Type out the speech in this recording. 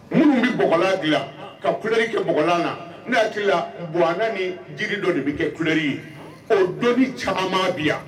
Minnu bɛ blan dilan ka kulɛli kɛ blan kan ne hakili buana ni jiri dɔ de bɛ kɛ kulɛli ye o don caman bi yan